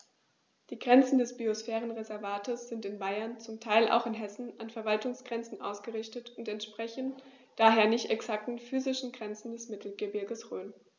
Die Grenzen des Biosphärenreservates sind in Bayern, zum Teil auch in Hessen, an Verwaltungsgrenzen ausgerichtet und entsprechen daher nicht exakten physischen Grenzen des Mittelgebirges Rhön.